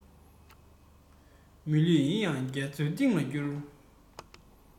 མི ལུས ཡིན ཡང རྒྱ མཚོའི གཏིང ལ བསྐྱུར